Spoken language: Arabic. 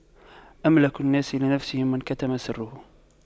أملك الناس لنفسه من كتم سره